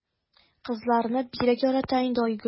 Казларны бигрәк ярата инде Айгөл.